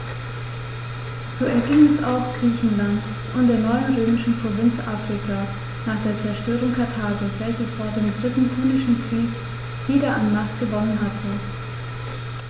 So erging es auch Griechenland und der neuen römischen Provinz Afrika nach der Zerstörung Karthagos, welches vor dem Dritten Punischen Krieg wieder an Macht gewonnen hatte.